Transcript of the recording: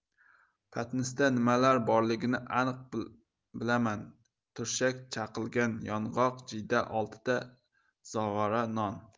patnisda nimalar borligini aniq bilaman turshak chaqilgan yong'oq jiyda oltita zog'ora non